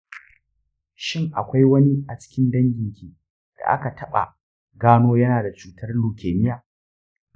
shin akwai wani a cikin danginki da aka taɓa gano yana da cutar leukaemia ?